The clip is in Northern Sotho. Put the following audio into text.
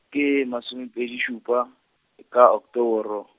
ke, masomepedi šupa, e ka Oktoboro.